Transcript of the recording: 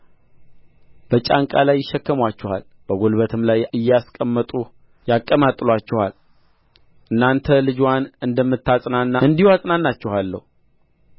በጫንቃ ላይ ይሸከሙአችኋል በጕልበትም ላይ እያስቀመጡ ያቀማጥሉአችኋል እናት ልጅዋን እንደምታጽናና እንዲሁ አጽናናችኋለሁ